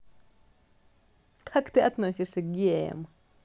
как ты относишься к геям